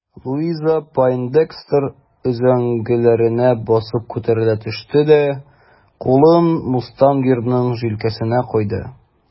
Луиза Пойндекстер өзәңгеләренә басып күтәрелә төште дә кулын мустангерның җилкәсенә куйды.